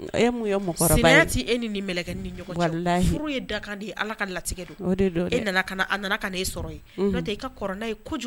A ye mun e ni kɛ ni da kan di ala ka latigɛ e a nana e sɔrɔ e ka kɔrɔ' ye